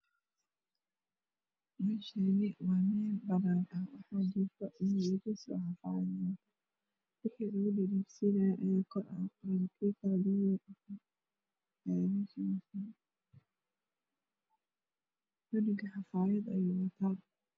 Meeshaan waa meel banaan ah waxaa joogo wiil yariisa oo xafaayad wato.